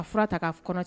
A fura ta k' kɔrɔ